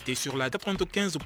A s su la a da to kɛso